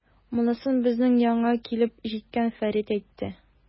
Монысын безнең янга килеп җиткән Фәрит әйтте.